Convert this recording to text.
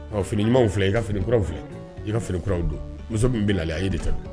Ɔ fini ɲumanw filɛ i ka finikuraw filɛ i ka finikuraraw don muso min bɛ nale a ye de tanu.